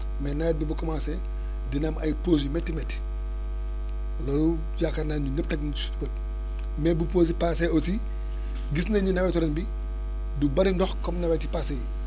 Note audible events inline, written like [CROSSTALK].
mais nwet bi bu commencé dina am ay pauses yu métti métti loolu yaakaar naa ni ñëpp teg nañu si suñu bët mais bu pauses yi passées aussi [BREATH] gis nañ ni nawetu ren bi du bëri ndox comme nawet yu passées yi